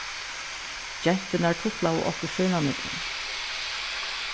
genturnar tutlaðu okkurt sínámillum